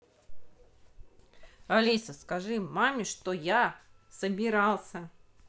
алиса скажи маме чтобы я собирался